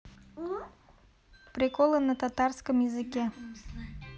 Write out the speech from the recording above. приколы на татарском языке